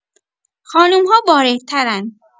خانم‌ها واردترن.